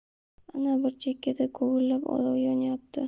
ana bir chekkada guvillab olov yonyapti